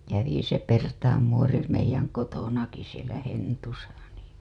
kävi se Pertaan muori meidän kotonakin siellä Hentussa niin